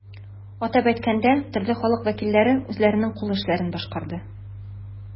Атап әйткәндә, төрле халык вәкилләре үзләренең кул эшләрен башкарды.